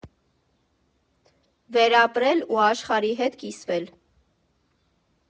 Վերապրել ու աշխարհի հետ կիսվել։